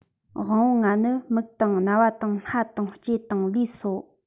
དབང བོ ལྔ ནི མིག དང རྣ བ དང སྣ དང ལྕེ དང ལུས སོ